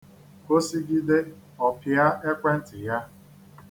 O sigide, ọ pịa ekwentị ya.